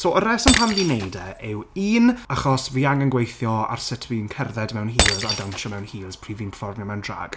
So, y reswm pan fi'n wneud e yw un achos fi angen gweithio ar sut fi'n cerdded mewn heels a dansio mewn heels pryd fi'n perfformio mewn drag.